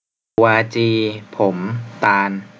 โกวาจีผมตาล